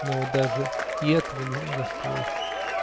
Но даже и этого не удостоился.